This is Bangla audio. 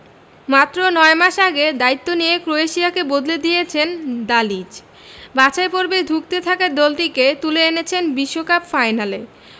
মাত্র ৯ মাস আগে দায়িত্ব নিয়ে ক্রোয়েশিয়াকে বদলে দিয়েছেন দালিচ বাছাই পর্বে ধুঁকতে থাকা দলটিকে তুলে এনেছেন বিশ্বকাপ ফাইনালে